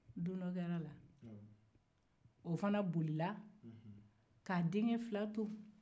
don dɔ kɛla a la o fana bollila ka a denkɛ fila to